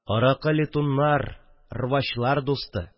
Аракы – летуннар, рвачлар дусты